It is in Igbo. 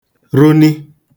rụni